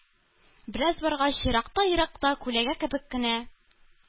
Бераз баргач, еракта-еракта күләгә кебек кенә